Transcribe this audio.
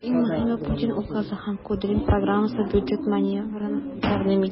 Иң мөһиме, Путин указы һәм Кудрин программасы бюджет маневрын тәкъдим итә.